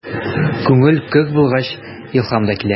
Күңел көр булгач, илһам да килә.